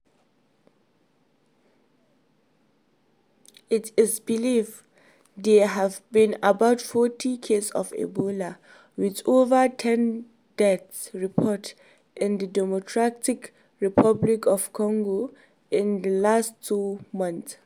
It is believed there have been about 40 cases of ebola, with over 10 deaths reported in the Democratic Republic of Congo in the last two months.